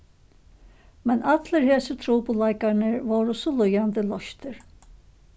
men allir hesir trupulleikarnir vórðu so líðandi loystir